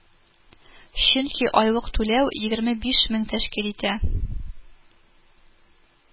Чөнки айлык түләү егерме биш мең тәшкил итә